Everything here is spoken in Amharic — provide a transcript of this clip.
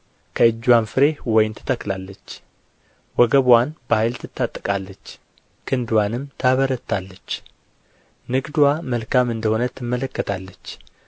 ከእጅዋም ፍሬ ወይን ትተክላለች ወገብዋን በኃይል ትታጠቃለች ክንድዋንም ታበረታለች ንግድዋ መልካም እንደ ሆነ ትመለከታለች